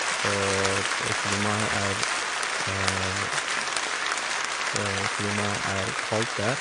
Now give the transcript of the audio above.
Og de klimaet er klimaet er kaldt der.